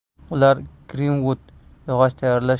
ular grinvud yog'och